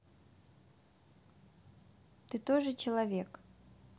ты тоже человек